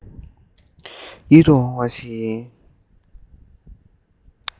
ཡིད དུ འོང བ ཞིག ཡིན